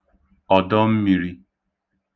ọ̀dọmmīrī